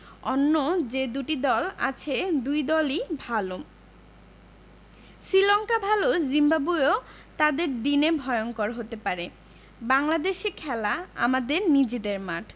অন্য যে দুটি দল আছে দুই দলই ভালো শ্রীলঙ্কা ভালো জিম্বাবুয়েও তাদের দিনে ভয়ংকর হতে পারে বাংলাদেশে খেলা আমাদের নিজেদের মাঠ